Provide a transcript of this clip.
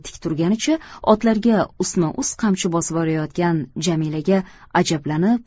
tik turganicha otlarga ustma ust qamchi bosib borayotgan jamilaga ajablanib